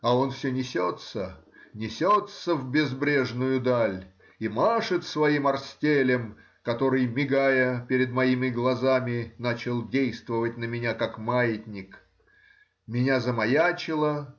А он все несется, несется в безбрежную даль и машет своим орстелем, который, мигая перед моими глазами, начал действовать на меня как маятник. Меня замаячило